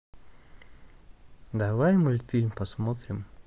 давай мультфильм посмотрим